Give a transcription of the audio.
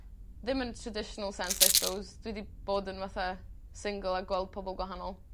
Dim yn traditional sense i spose dwi 'di bod yn fatha single a gweld pobol gwahanol.